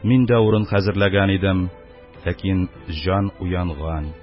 Мин дә урын хәзерләгән идем, ләкин җан уянган